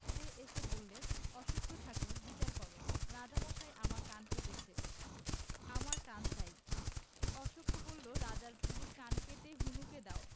সে এসে বললে অশ্বথ ঠাকুর বিচার কর রাজামশায় আমার কান কেটেছে আমার কান চাই অশ্বখ বললে রাজা ঢুলির অন্য কান কেটে হনুকে দাও